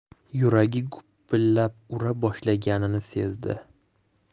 yuragi gupillab ura boshlaganini sezdi